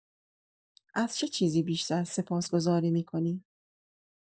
از چه چیزی بیشتر سپاسگزاری می‌کنی؟